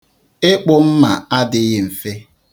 Ikpụ mma adịghị mfe.